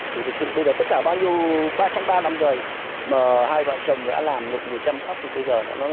thì thực sự bây giờ tất cả bao nhiêu ba trong ba năm giời mà hai vợ chồng đã làm lụng rồi chăm sóc rồi bây giờ nó nó